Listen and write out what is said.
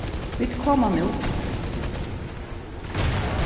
vit koma nú